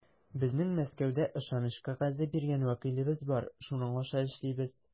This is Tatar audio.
Безнең Мәскәүдә ышаныч кәгазе биргән вәкилебез бар, шуның аша эшлибез.